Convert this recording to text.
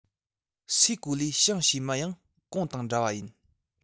སའི གོ ལའི བྱང ཕྱེད མ ཡང གོང དང འདྲ བ ཡིན